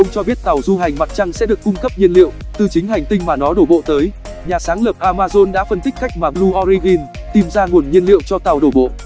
ông cho biết tàu du hành mặt trăng sẽ được cung cấp nhiên liệu từ chính hành tinh mà nó đổ bộ tới nhà sáng lập amazon đã phân tích cách mà blue origin tìm ra nguồn nhiên liệu cho tàu đổ bộ